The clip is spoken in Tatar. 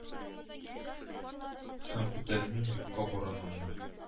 Һәм күтәрмим юкка борынымны